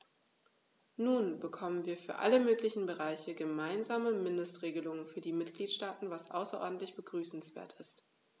Nun bekommen wir für alle möglichen Bereiche gemeinsame Mindestregelungen für die Mitgliedstaaten, was außerordentlich begrüßenswert ist.